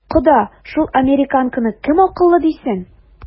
Кода, шул американканы кем акыллы дисен?